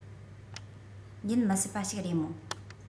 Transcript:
ཡིན མི སྲིད པ ཞིག རེད མོ